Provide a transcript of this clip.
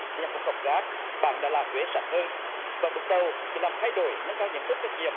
nhặt một cọng rác bạn đã làm huế sạch hơn và bước đầu được làm thay đổi nâng cao nhận thức trách nhiệm